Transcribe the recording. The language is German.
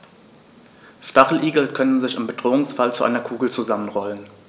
Stacheligel können sich im Bedrohungsfall zu einer Kugel zusammenrollen.